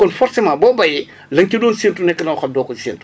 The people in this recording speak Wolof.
kon forcément boo béyee la nga ci doon séentu nekk na loo xam ne doo ko ci séentu